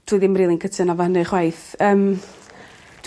Dwi ddim rili'n cytuno efo hynny chwaith yym